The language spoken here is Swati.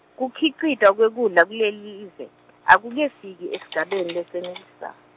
Kukhicitwa kwekudla kulelive akukefiki esigabeni lesenelisa-.